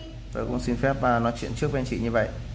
tôi cũng xin phép nói trước với anh chị như vậy